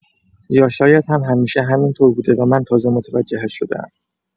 یا شاید هم همیشه همین‌طور بوده و من تازه متوجهش شده‌ام.